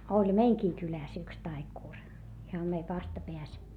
oli meidänkin kylässä yksi taikuri ihan meidän vastapäässä